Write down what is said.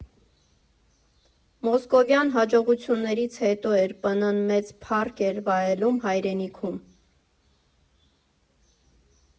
Մոսկովյան հաջողությունից հետո ԵրՊԻ֊ն մեծ փառք էր վայելում հայրենիքում։